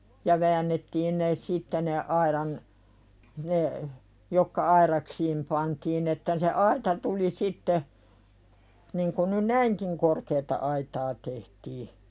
ja väännettiin ne sitten ne aidan ne jotka aidaksiin pantiin että se aita tuli sitten niin kuin nyt näinkin korkeata aitaa tehtiin